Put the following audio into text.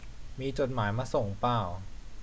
มีจดหมายส่งมาป่าว